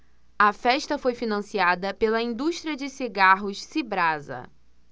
a festa foi financiada pela indústria de cigarros cibrasa